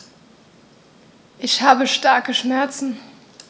Ich habe starke Schmerzen.